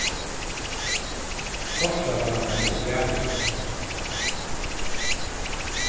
orsaka at eg svari so seint